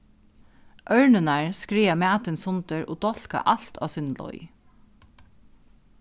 ørnirnar skræða matin sundur og dálka alt á síni leið